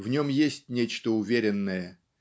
в нем есть нечто уверенное